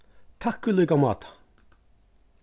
takk í líka máta